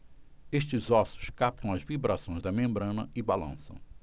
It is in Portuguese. estes ossos captam as vibrações da membrana e balançam